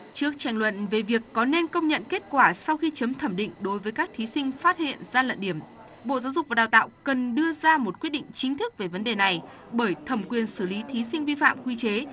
trước tranh luận về việc có nên công nhận kết quả sau khi chấm thẩm định đối với các thí sinh phát hiện gian lận điểm bộ giáo dục và đào tạo cần đưa ra một quyết định chính thức về vấn đề này bởi thẩm quyền xử lý thí sinh vi phạm quy chế